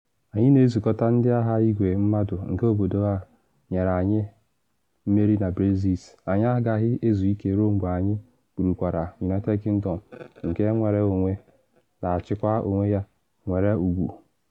‘Anyị na ezukọta ndị agha igwe mmadụ nke obodo a nyere anyị mmeri na Brexit, anyị agaghị ezu ike ruo mgbe anyị bụrụkwara United Kingdom nke nnwere onwe, na achịkwa onwe ya, nwere ugwu.’